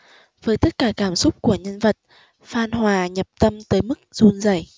với tất cả cảm xúc của nhân vật phan hòa nhập tâm tới mức run rẩy